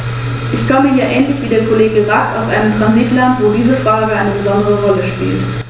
Unser Ausschuss erörtert die vorliegenden Fragen aus vielen unterschiedlichen Blickwinkeln.